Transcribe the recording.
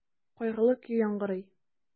Кайгылы көй яңгырый.